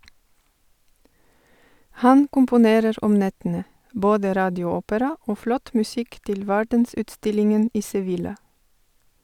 Han komponerer om nettene - både radioopera og flott musikk til verdensutstillingen i Sevilla.